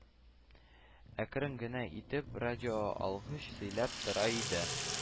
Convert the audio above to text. Әкрен генә итеп радиоалгыч сөйләп тора иде